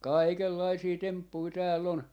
kaikenlaisia temppuja täällä on